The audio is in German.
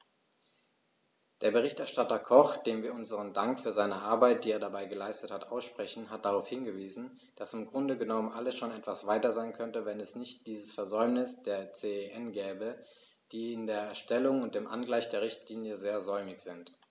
Der Berichterstatter Koch, dem wir unseren Dank für seine Arbeit, die er dabei geleistet hat, aussprechen, hat darauf hingewiesen, dass im Grunde genommen alles schon etwas weiter sein könnte, wenn es nicht dieses Versäumnis der CEN gäbe, die in der Erstellung und dem Angleichen der Richtlinie sehr säumig sind.